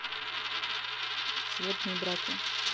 сводные братья